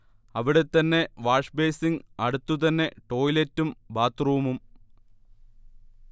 അവിടെ തന്നെ വാഷ്ബെയ്സിങ്, അടുത്ത് തന്നെ ടോയ്ലറ്റും ബാത്ത്റൂമും